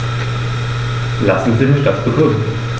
Lassen Sie mich das begründen.